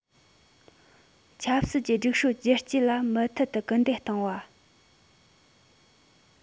ཆབ སྲིད ཀྱི སྒྲིག སྲོལ བསྒྱུར བཅོས ལ མུ མཐུད དེ སྐུལ འདེད གཏོང བ